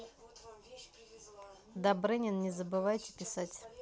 добрынин не забывайте писать